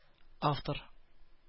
Автор